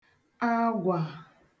agwà